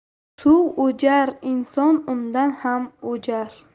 suv o'jar inson undan ham o'jar